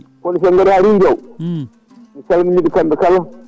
kono sen gaari ha Rindiaw